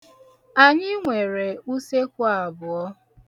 Anyị nwere usekwu abụọ.